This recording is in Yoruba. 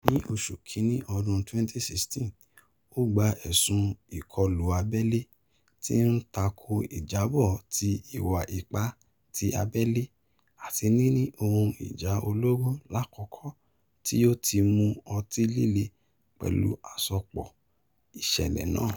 Ní Oṣù Kínní ọdún 2016 ó gba ẹ̀sùn ìkọlù abẹ́lé, tí ń tako ìjábọ̀ ti ìwà ipá ti abẹ́lé, àti níní ohun ìjà olóró lákòókò tí ó ti mú ọtí líle pẹlu asopọ iṣẹlẹ naa.